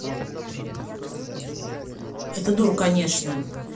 эта дура конечно